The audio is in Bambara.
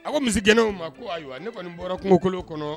A ko misi kɛnɛw ma ko ayiwa ne kɔni nin bɔra kungokolon kɔnɔ